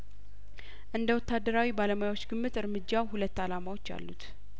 እንደ ወታደራዊ ባለሙያዎች ግምት እርምጃው ሁለት አላማዎች አሉት